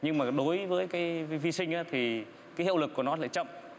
nhưng mà đối với cái vi sinh á thì cái hiệu lực của nó lại chậm